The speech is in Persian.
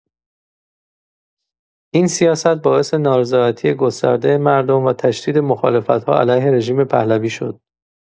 این سیاست باعث نارضایتی گسترده مردم و تشدید مخالفت‌ها علیه رژیم پهلوی شد.